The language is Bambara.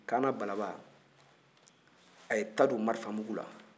kaana balaba a ye ta don marifamugu la